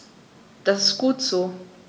Das ist gut so.